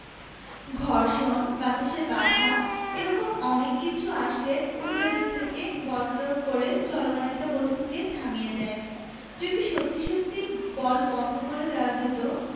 ঘর্ষণ বাতাসের বাধা এ রকম অনেক কিছু আসলে উল্টো দিক থেকে বল প্রয়োগ করে চলমান একটা বস্তুকে থামিয়ে দেয় যদি সত্যি সত্যি সব বল বন্ধ করে দেওয়া যেত